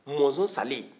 mɔnzɔn salen